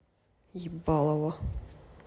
ебалово